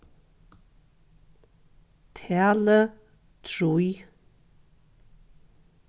talið trý